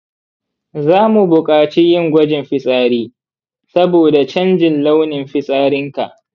za mu buƙaci yin gwajin fitsari saboda canjin launin fitsarinka